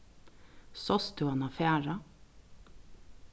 sást tú hana fara